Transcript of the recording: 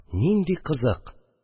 Нинди кызык